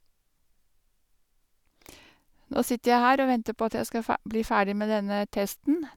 Nå sitter jeg her og venter på at jeg skal fe bli ferdig med denne testen.